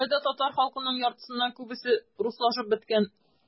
Болай да татар халкының яртысыннан күбесе - руслашып беткән.